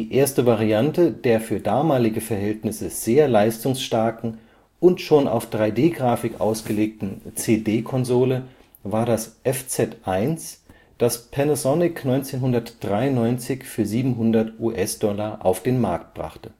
erste Variante der für damalige Verhältnisse sehr leistungsstarken und schon auf 3D-Grafik ausgelegten CD-Konsole war das FZ-1, das Panasonic 1993 für 700$ auf den Markt brachte